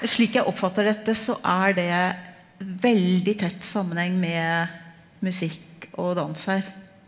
slik jeg oppfatter dette så er det veldig tett sammenheng med musikk og dans her.